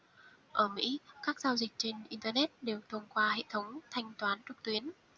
ở mỹ các giao dịch trên internet đều thông qua hệ thống thanh toán trực tuyến